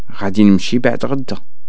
غادي نمشي بعد غدة